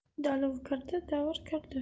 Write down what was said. dalv kirdi davr kirdi